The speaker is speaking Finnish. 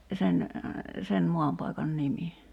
sen sen maanpaikan nimi